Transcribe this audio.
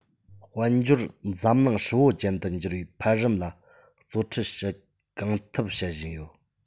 དཔལ འབྱོར འཛམ གླིང ཧྲིལ པོ ཅན དུ འགྱུར བའི འཕེལ རིམ ལ གཙོ ཁྲིད བྱེད གང ཐུབ བྱེད བཞིན ཡོད